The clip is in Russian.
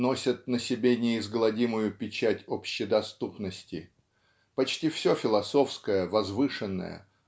носят на себе неизгладимую печать общедоступности. Почти все философское возвышенное